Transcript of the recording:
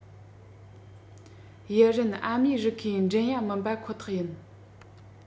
དབྱི རན ཨ མེ རི ཁའི འགྲན ཡ མིན པ ཁོ ཐག ཡིན